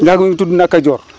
ñax gi mu ngi tudd nakajoor